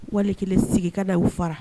Wale kelen sigika da u fara